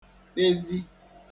kpezi